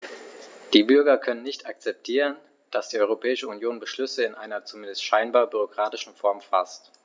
Die Bürger können nicht akzeptieren, dass die Europäische Union Beschlüsse in einer, zumindest scheinbar, bürokratischen Form faßt.